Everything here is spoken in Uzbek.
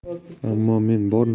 ammo men bor